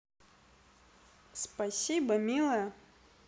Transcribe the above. спасибо милая